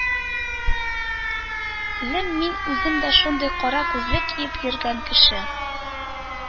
Лем, мин үзем дә шундый кара күзлек киеп йөргән кеше